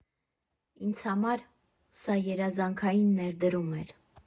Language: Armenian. Ինձ համար սա երազանքային ներդրում էր։